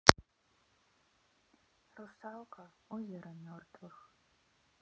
русалка озеро мертвых